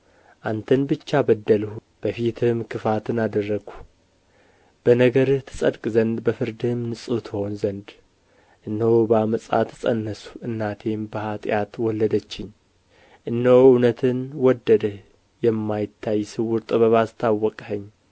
አንተን ብቻ በደልሁ በፊትህም ክፋትን አደረግሁ በነገርህም ትጸድቅ ዘንድ በፍርድህም ንጹሕ ትሆን ዘንድ እነሆ በዓመፃ ተፀነስሁ እናቴም በኃጢአት ወለደችኝ እነሆ እውነትን ወደድህ የማይታይ ስውር ጥበብን አስታወቅኸኝ